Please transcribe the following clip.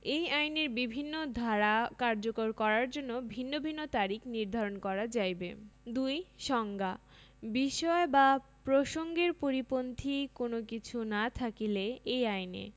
এই আইনের বিভিন্ন ধারা কার্যকর করার জন্য ভিন্ন ভিন্ন তারিখ নির্ধারণ করা যাইবে ২ সংজ্ঞাঃ বিষয় বা প্রসংগের পরিপন্থী কোন কিছু না থাকিলে এই আইনে